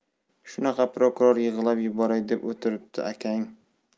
shunaqa prokuror yig'lab yuboray deb o'tiribdi akang